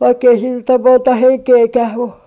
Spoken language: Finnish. vaikka ei siinä nyt ole monta henkeäkään mutta